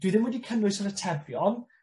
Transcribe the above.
dwi ddim wedi cynnwys yr atebion,